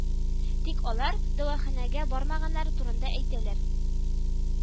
Тик алар дәваханәгә бармаганнары турында әйтәләр